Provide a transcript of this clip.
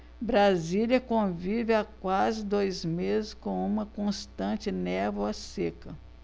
brasília convive há quase dois meses com uma constante névoa seca